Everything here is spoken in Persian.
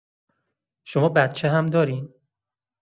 شما بچه هم دارین؟